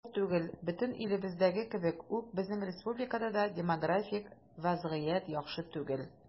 Сер түгел, бөтен илебездәге кебек үк безнең республикада да демографик вазгыять яхшы түгел.